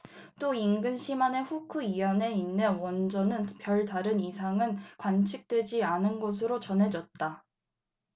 또 인근 시마네 후쿠이현에 있는 원전은 별다른 이상은 관측되지 않은 것으로 전해졌다